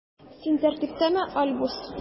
Син тәртиптәме, Альбус?